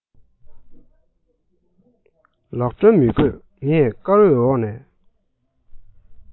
ལག སྒྲོན མི དགོས ངས སྐར འོད འོག ནས